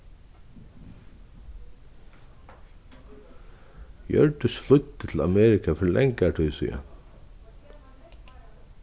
hjørdis flýddi til amerika fyri langari tíð síðani